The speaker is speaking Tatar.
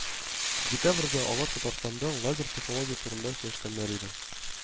Декабрьдә алар Татарстанда лазер технология турында сөйләшкәннәр иде.